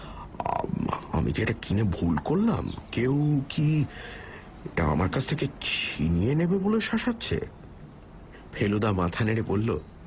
আমি কি এটা কিনে ভুল করলাম কেউ কি এটা আমার কাছ থেকে ছিনিয়ে নেবে বলে শাসাচ্ছে ফেলুদা মাথা নেড়ে বলল